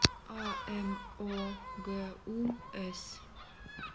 а м о г у с